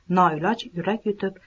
noiloj yurak yutib